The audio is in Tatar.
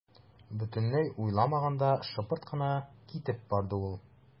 Бөтенләй уйламаганда шыпырт кына китеп барды ул.